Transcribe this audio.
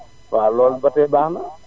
waaw loolu ba tay baax na